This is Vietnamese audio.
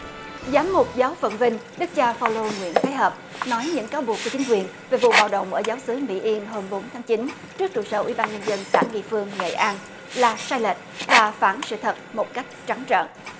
giám mục giáo phận vinh đức cha phao lô nguyễn thái học nói những cáo buộc của chính quyền về vụ bạo động ở giáo xứ mỹ yên hôm bốn tháng chín trước trụ sở ủy ban nhân dân xã nghi phương nghệ an là sai lệch và phản sự thật một cách trắng trợn